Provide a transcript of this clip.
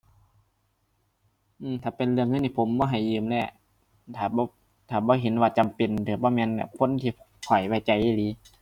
อืม ถ้าเป็นเรื่องเงินนี่ผมบ่ให้ยืมเลยอะ ถ้าบ่ ถ้าบ่เห็นว่าจำเป็น ถ้าบ่แม่นแบบ คนที่ข้อยไว้ใจอีหลี